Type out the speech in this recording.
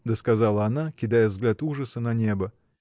— досказала она, кидая взгляд ужаса на небо.